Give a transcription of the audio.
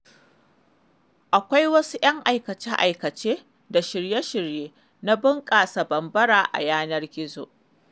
Akwai wasu 'yan aikace-aikace da shirye-shirye na bunƙasa Bambara a yanar gizo.